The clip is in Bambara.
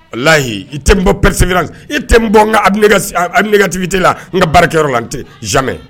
Layi i tɛ bɔ pɛres i tɛ bɔ n nɛgɛtigi tɛ la an n ka baarakɛyɔrɔ la n tɛ zimɛ